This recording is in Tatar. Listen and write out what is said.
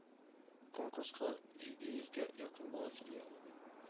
Конкурска җиде йөзгә якын бала килгән иде